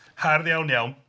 Hardd iawn iawn.